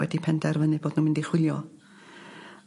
wedi penderfynu bod nw'n mynd i chwilio